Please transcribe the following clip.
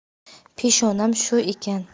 peshonam shu ekan